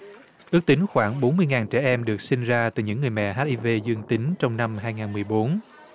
ước tính khoảng bốn mươi ngàn trẻ em được sinh ra từ nhửng người mẹ hát i vê dương tính trong năm hai ngàn mười bốn